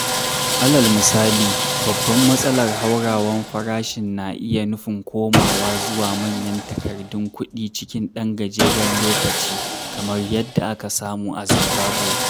Alal misali, babban matsalar hauhawar farashi na iya nufin komawa zuwa manyan takardun kuɗi cikin ɗan gajeren lokaci, kamar yadda aka samu a Zimbabwe.